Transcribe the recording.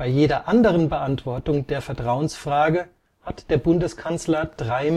jeder anderen Beantwortung der Vertrauensfrage hat der Bundeskanzler drei